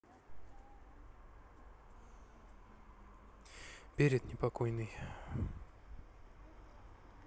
перед непокойный